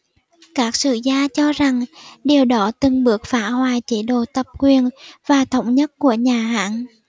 các sử gia cho rằng điều đó từng bước phá hoại chế độ tập quyền và thống nhất của nhà hán